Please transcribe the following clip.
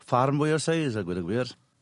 Ffarm mwy o seis a gweud y gwir.